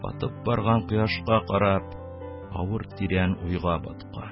Батып барган кояшка карап, авыр тирән уйга баткан,